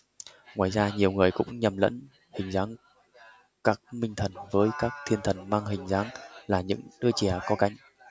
ngoài ra nhiều người cũng nhầm lẫn hình dáng các minh thần với các thiên thần mang hình dáng là những đứa trẻ có cánh